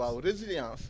waaw résilience